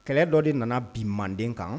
Kɛlɛ dɔ de nana bin manden kan